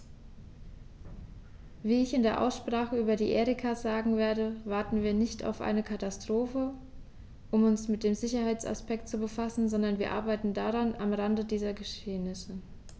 Wie ich in der Aussprache über die Erika sagen werde, warten wir nicht auf eine Katastrophe, um uns mit dem Sicherheitsaspekt zu befassen, sondern wir arbeiten daran am Rande dieser Geschehnisse.